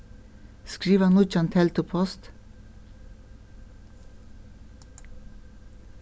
skriva nýggjan teldupost